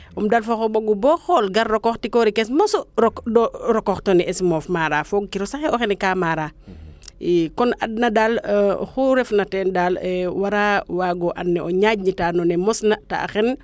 im dalfaxo mbogu boo xool gar rokor tikorikes mosu rokoox tenue es moof maara foog kiro sax e o xene kaa maara kon adna daal oxu refna teen daal wara waago and nee o ñaaƴ nita no ne mos na taa a xen